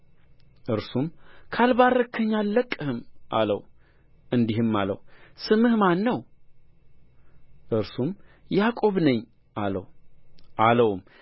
እርሱም ካልባረክኸኝ አልለቅቅህም አለው እንዲህም አለው ስምህ ማን ነው እርሱም ያዕቆብ ነኝ አለው አለውም